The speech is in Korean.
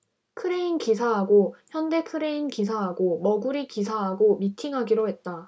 크레인 기사하고 현대 크레인 기사하고 머구리 기사하고 미팅하기로 했다